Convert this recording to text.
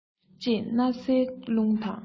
ཅེས གནམ སའི རླུང དང